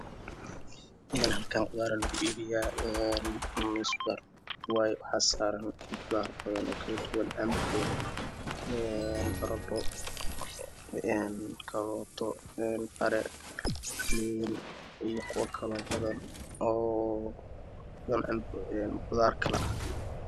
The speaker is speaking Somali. Halkaan qudaarbaa lagu ibiyaa miis wayee waxaa saran qudaar padan oo kala duwaan canpee bardho karooto qaro liin iyo kuwa kaloo badan oo qudaar kala ah